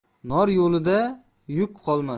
nor yo'lida yuk qolmas